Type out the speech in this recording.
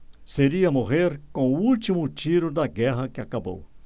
seria morrer com o último tiro da guerra que acabou